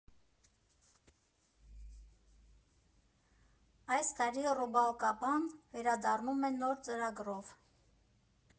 Այս տարի Ռուբալկաբան վերադառնում է նոր ծրագրով։